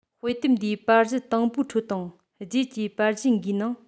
དཔེ དེབ འདིའི པར གཞི དང པོའི ཁྲོད དང རྗེས ཀྱི པར གཞི འགའི ནང